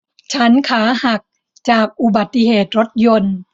ฉันขาหักจากอุบัติเหตุรถยนต์